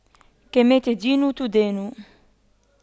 كما تدين تدان